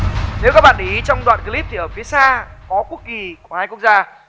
nếu các bạn ý trong đoạn cờ líp thì ở phía xa có quốc kỳ của hai quốc gia